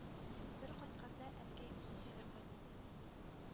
Бер кайтканда Әнкәй үзе сөйләгән иде: